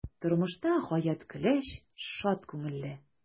Тормышта гаять көләч, шат күңелле.